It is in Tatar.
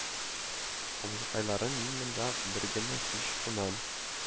– абзыкайларым, мин монда бер генә кич кунам